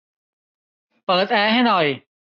เปิดแอร์ให้หน่อย